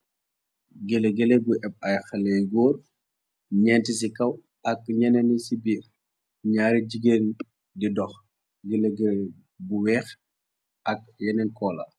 Gélegéle bu epp ay xaléey góor, ñenti ci kaw ak ñeneni ci biir, ñaari jigéen di dox, gélégélé bu weex ak yeneen koola.